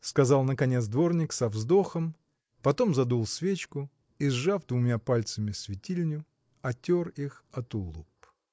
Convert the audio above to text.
– сказал наконец дворник со вздохом потом задул свечку и сжав двумя пальцами светильню отер их о тулуп.